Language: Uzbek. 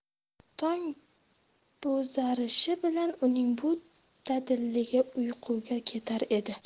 tong bo'zarishi bilan uning bu dadilligi uyquga ketar edi